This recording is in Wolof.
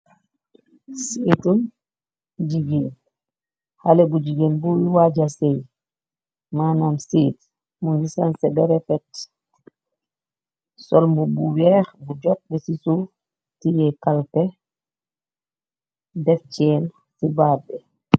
seatum jigi xale bu jigéen buy waja sey mannam seet mungi san ce borefet solmbu bu weex bu jotbe ci suuf tile kalpe def ceen ci baabe